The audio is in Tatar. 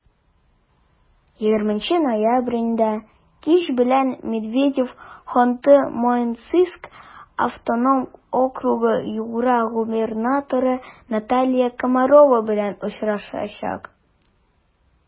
20 ноябрьдә кич белән медведев ханты-мансийск автоном округы-югра губернаторы наталья комарова белән очрашачак.